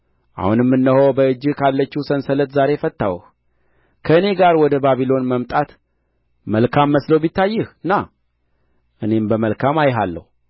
አሁንም እነሆ በእጅህ ካለችው ሰንሰለት ዛሬ ፈታሁህ ከእኔ ጋር ወደ ባቢሎን መምጣት መልካም መስሎ ቢታይህ ና እኔም በመልካም አይሃለሁ